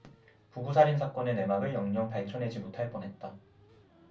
부부 살인 사건의 내막을 영영 밝혀내지 못할 뻔 했다